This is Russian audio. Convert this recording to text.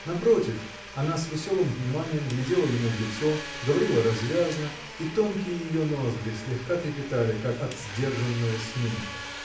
Напротив: она с веселым вниманием глядела ему в лицо, говорила развязно, и тонкие ее ноздри слегка трепетали, как бы от сдержанного смеха.